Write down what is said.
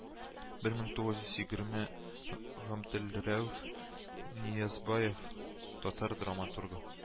Бер мең тугыз йөз егерме габделрәүф ниязбаев, татар драматургы